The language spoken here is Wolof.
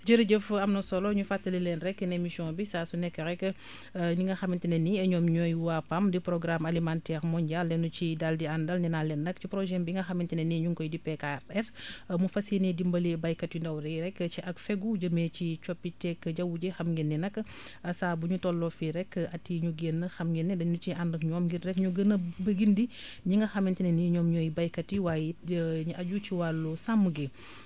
jërëjëf am na solo ñu fàttali leen rekk ne émission bi saa su nekk rekk ñi nga xamante ne ni ñoom ñooy waa PAM di programme alimentaire mondial la ñu ciy daal di àndal nee naa leen nag projet bi nga xamante ne ni ñu ngi koy dippee 4R mu fas yéene dimbali baykat yu ndaw yi rekk ci ak fegu jëmee ci coppiteg jaww ji xam ngeen ni nag saa bu ñu tolloo fii rekk at yii ñu génn xam ngeen ni dañu ci ànd ak ñoom ngir rekk ñu gën a gindi ñi nga xamante ne ni ñoom ñooy baykat yi waaye ñi aju ci wàllu sàmm gi